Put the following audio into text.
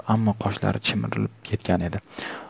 ammo qoshlari chimirilib ketgan edi